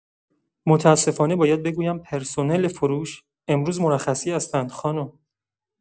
متاسفانه باید بگویم پرسنل فروش، امروز مرخصی هستند خانم.